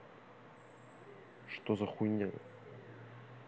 что за хуйня